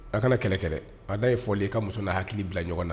A kana kɛlɛ kɛ a daa ye fɔlen i ka muso na hakili bila ɲɔgɔn na